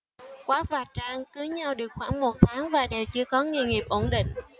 quát và trang cưới nhau được khoảng một tháng và đều chưa có nghề nghiệp ổn định